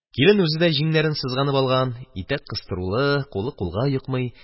Мәш киләләр. Килен үзе дә җиңнәрен сызганып алган, итәк кыстырулы, кулы кулга йокмый.